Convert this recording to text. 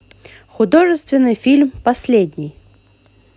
художественный фильм последний